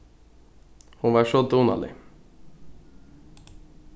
hon var so dugnalig